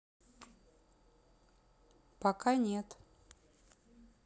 пока нет